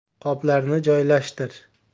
qoplarni joylashtir